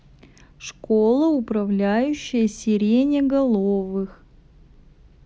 школа управляющая сиреноголовых